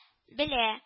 Белә